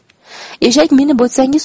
eshak minib o'tsangiz